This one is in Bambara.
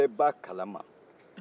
aw bɛɛ b'a kalama